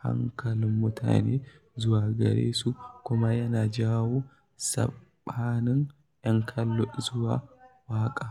hankulan mutane zuwa gare su kuma yana jawo sababbin 'yan kallo zuwa ga waƙa.